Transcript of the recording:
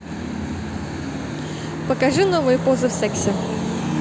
покажи новые позы в сексе